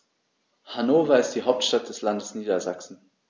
Hannover ist die Hauptstadt des Landes Niedersachsen.